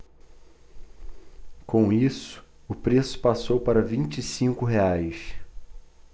com isso o preço passou para vinte e cinco reais